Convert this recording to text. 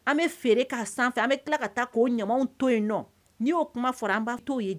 An bɛ feere ka sanfɛ an bɛ tila ka taa k'o ɲamaw to yen nɔ n'i y'o kuma fɔra an' too ye